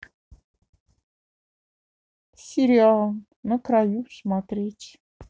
сериал на краю смотреть